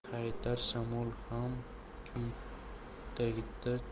haydar shamol ham tut tagida